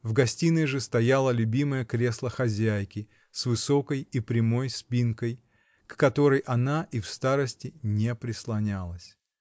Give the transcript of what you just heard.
в гостиной же стояло любимое кресло хозяйки, с высокой и прямой спинкой, к которой она и в старости не прислонялась.